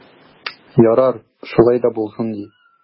Ярар, шулай да булсын ди.